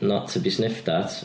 Not to be sniffed at.